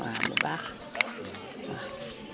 waaw bu baax waaw